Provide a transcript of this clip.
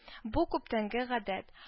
Бу - күптәнге гадәт